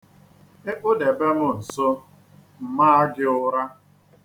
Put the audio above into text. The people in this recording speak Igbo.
I kpụdebee m nso, m maa gị ụra.